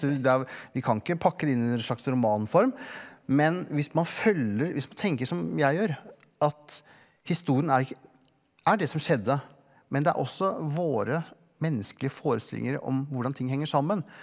vi kan ikke pakke det inn i en slags romanform men hvis man følger hvis man tenker som jeg gjør at historien er ikke er det som skjedde men det er også våre menneskelige forestillinger om hvordan ting henger sammen.